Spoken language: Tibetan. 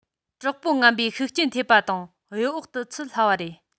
གྲོགས པོ ངན པའི ཤུགས རྐྱེན ཐེབས པ དང གཡོ འོག ཏུ ཚུད སླ བ རེད